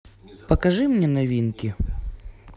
покажи мне новинки